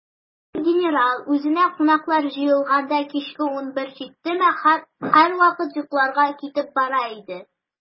Менә бу генерал, үзенә кунаклар җыелганда, кичке унбер җиттеме, һәрвакыт йокларга китеп бара иде.